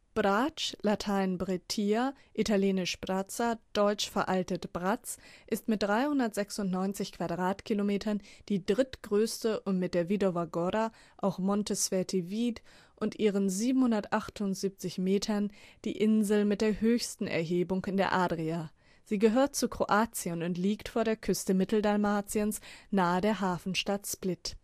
Brač (latein Bretia, italienisch Brazza, deutsch veraltet Bratz) ist mit 396 km² die drittgrößte und mit der Vidova Gora (auch Monte Sveti Vid) und ihren 778 m die Insel mit der höchsten Erhebung in der Adria. Sie gehört zu Kroatien und liegt vor der Küste Mitteldalmatiens nahe der Hafenstadt Split